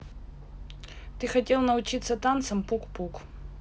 ты хотел научиться танцам пук пук